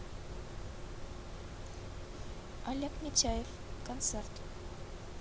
олег митяев концерт